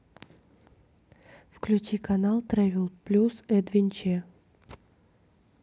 включи канал тревел плюс эдвенче